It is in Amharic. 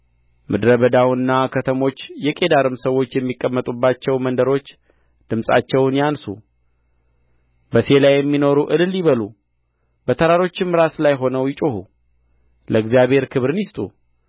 ምድረ በዳውና ከተሞቹ የቄዳርም ሰዎች የሚቀመጡባቸው መንደሮች ድምፃቸውን ያንሡ በሴላ የሚኖሩ እልል ይበሉ በተራሮችም ራስ ላይ ሆነው ይጩኹ ለእግዚአብሔር ክብርን ይስጡ